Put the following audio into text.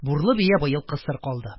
Бурлы бия быел кысыр калды.